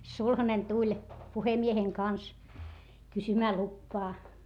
no niin sulhanen tuli puhemiehen kanssa kysymään lupaa